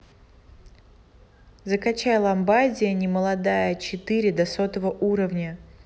закачай ломбардия немолодая четыре до сотого уровня